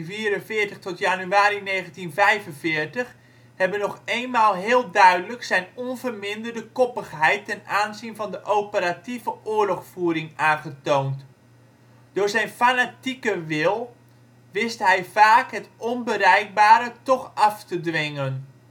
1944 tot januari 1945 hebben nog eenmaal heel duidelijk zijn onverminderde koppigheid ten aanzien van de operatieve oorlogvoering aangetoond. Door zijn fanatieke wil wist hij vaak het onbereikbare toch nog af te dwingen